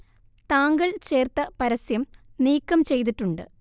താങ്കൾ ചേർത്ത പരസ്യം നീക്കം ചെയ്തിട്ടുണ്ട്